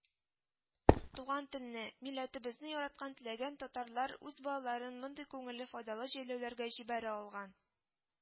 Туган телне, милләтебезне яраткан теләгән татарлар үз балаларын мондый күңелле файдалы җәйләүләргә җибәрә алган